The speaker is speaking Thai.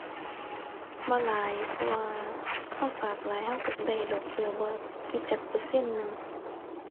บ่หลาย เพราะว่าเราฝากหลายเราเราได้ดอกเบี้ยบ่กี่จักเปอร์เซ็นต์หนึ่ง